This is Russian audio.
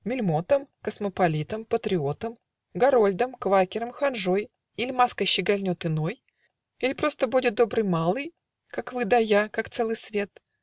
Мельмотом, Космополитом, патриотом, Гарольдом, квакером, ханжой, Иль маской щегольнет иной, Иль просто будет добрый малый, Как вы да я, как целый свет?